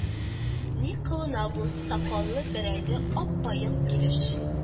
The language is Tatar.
Ни кылана бу сакаллы бәрәңге ап-аек килеш